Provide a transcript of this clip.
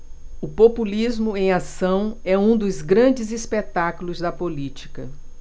o populismo em ação é um dos grandes espetáculos da política